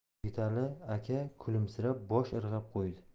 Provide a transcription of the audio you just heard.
yigitali aka kulimsirab bosh irg'ab qo'ydi